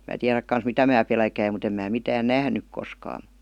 minä tiedä kanssa mitä minä pelkäsin mutta en minä mitään nähnyt koskaan